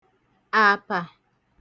àpà